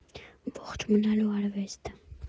Ողջ մնալու արվեստ։